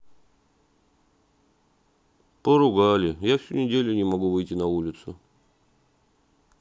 поругали я всю неделю не могу выйти на улицу